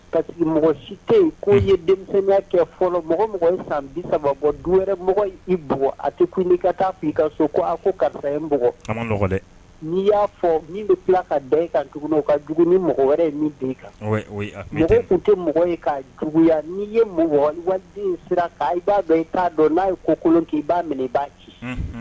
Kasi mɔgɔ si k ko ye denmisɛnninya kɛ fɔlɔ mɔgɔ mɔgɔ san bi saba wɛrɛ mɔgɔ i a tɛ i ka so ko karisa n'i y'a fɔ min bɛ tila ka ka ka ni mɔgɔ wɛrɛ ye den kan mɔgɔ tun tɛ mɔgɔ ye kaya n ye mɔgɔden ka dɔn i k'a dɔn n'a ye ko kolon ki b'a minɛ i b' ci